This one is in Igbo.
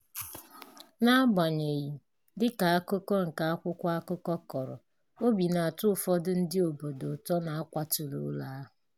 Na-agbanyeghị, dị ka akụko nke akwụkwọ akụkọ kọrọ, obi na-atọ ufọdu ndị obodo ụtọ na a kwaturu ụlọ ahụ.